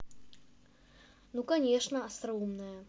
ну конечно остроумная